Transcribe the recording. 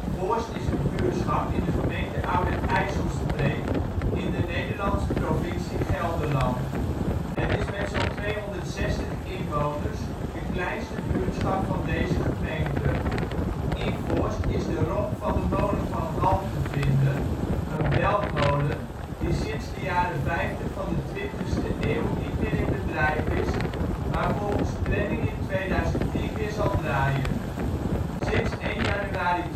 Voorst is een buurtschap in de gemeente Oude IJsselstreek in de Nederlandse provincie Gelderland. Het is met zo 'n 260 inwoners de kleinste buurtschap van deze gemeente. In Voorst is de romp van de Molen Van Hal te vinden, een beltmolen die sinds de jaren ' 50 van de 20e eeuw niet meer in bedrijf is, maar volgens planning in 2010 weer zal draaien. Sinds 1 januari